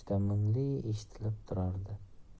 juda mungli eshitilib turardi